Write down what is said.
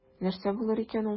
Нәрсә булыр икән ул?